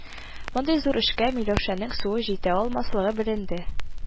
Мондый зур эшкә Миләүшәнең суы җитә алмас-лыгы беленде